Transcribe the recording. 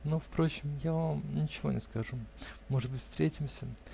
Но, впрочем, я вам ничего не скажу. Может быть, встретимся.